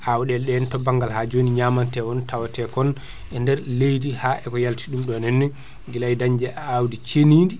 awɗele ɗe henna to banggal ha joni ñamantewon tawate kon e nder leydi ha e ko yalti ɗum ɗon henna guila e dañde awdi ceenidi